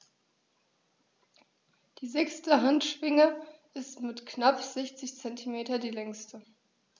Die sechste Handschwinge ist mit knapp 60 cm die längste.